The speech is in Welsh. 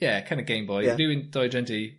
...ie kinda Gameboy... Ie. ...rywun dy oedran di...